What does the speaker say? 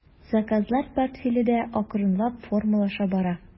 Заказлар портфеле дә акрынлап формалаша бара.